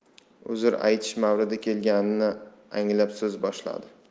uzr aytish mavridi kelganini anglab so'z boshladi